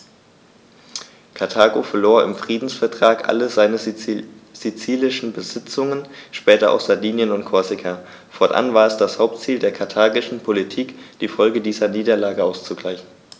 Karthago verlor im Friedensvertrag alle seine sizilischen Besitzungen (später auch Sardinien und Korsika); fortan war es das Hauptziel der karthagischen Politik, die Folgen dieser Niederlage auszugleichen.